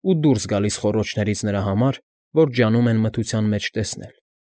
Ու դուրս գալիս խոռոչներից նրա համար, որ ջանում են մթության մեջ տեսնել։